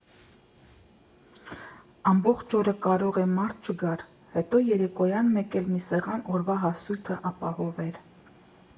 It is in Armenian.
«Ամբողջ օրը կարող է մարդ չգար, հետո երեկոյան մեկ էլ մի սեղան օրվա հասույթը ապահովեր։